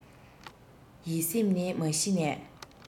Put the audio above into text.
ཡིད སེམས ནི མ གཞི ནས